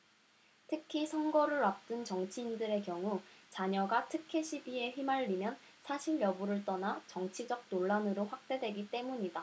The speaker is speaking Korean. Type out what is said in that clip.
특히 선거를 앞둔 정치인들의 경우 자녀가 특혜시비에 휘말리면 사실여부를 떠나 정치적 논란으로 확대되기 때문이다